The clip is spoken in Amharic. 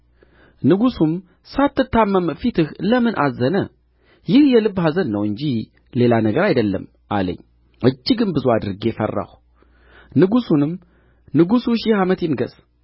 ንጉሡም ሳትታመም ፊትህ ለምን አዘነ ይህ የልብ ኅዘን ነው እንጂ ሌላ ነገር አይደለም አለኝ እጅግም ብዙ አድርጌ ፈራሁ ንጉሡንም ንጉሡ ሺህ ዓመት ይንገሥ